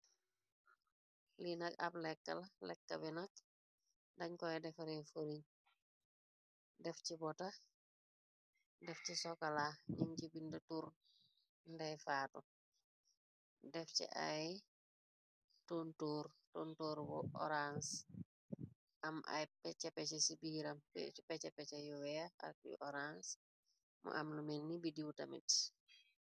Liinak ab lekke lekkawinak dañ koy defare furi def ci bota def ci sokala ñiñ ci bindi tur ndey faatu def ci ay tontor bu orange am ay peccpec ci biiram pecc pecc yu wee ak yu orange mu amlu melni bidiw tamit.